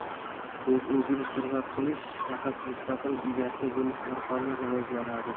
o'z o'zini hurmat qilish faqat mustaqil egasi bo'lish orqali rivojlanadi